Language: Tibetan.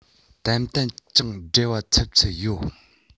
ཏན ཏན ཅུང བྲེལ བ འཚུབ འཚུབ ཡོད